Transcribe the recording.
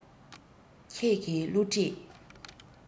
ཁྱེད ཀྱི བསླུ བྲིད